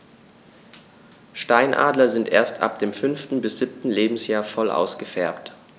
Steinadler sind erst ab dem 5. bis 7. Lebensjahr voll ausgefärbt.